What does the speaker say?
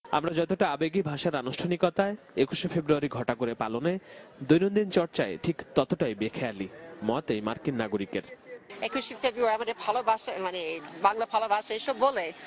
আমরা যতটা আবেগি ভাষার আনুষ্ঠানিকতায় একুশে ফেব্রুয়ারি ঘটা করে পালন করায় দৈনন্দিন চর্চায় ঠিক ততটাই বেখেয়ালী মত এই মার্কিন নাগরিকের একুশে ফেব্রুয়ারি আমাদের ভালোবাসার মানে বাংলা ভালোবাসার এসব বলে